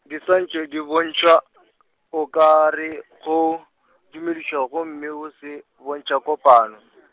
ditshwantšho di bontšha, o ka re go, dumediša gomme o se bontšha kopano.